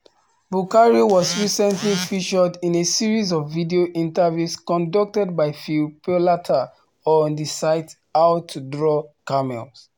Boukary was recently featured in a series of video interviews conducted by Phil Paoletta on the site How to Draw Camels.